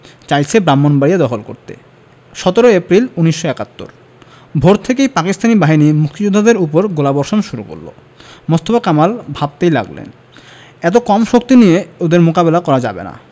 চাইছে ব্রাহ্মনবাড়িয়া দখল করতে ১৭ এপ্রিল ১৯৭১ ভোর থেকেই পাকিস্তানি বাহিনী মুক্তিযোদ্ধাদের উপর গোলাবর্ষণ শুরু করল মোস্তফা কামাল ভাবতে লাগলেন এত কম শক্তি নিয়ে ওদের মোকাবিলা করা যাবে না